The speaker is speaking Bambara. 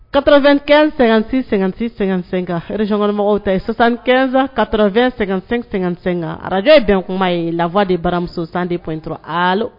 Ka2-ɛn- sɛgɛn- sɛgɛnsɛ recɔnmɔgɔw tɛ yensanɛnsan kat2---sɛ-sɛ kan araj ye bɛn kuma ye lafa de baramusosan de pt a